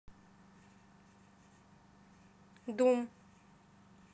doom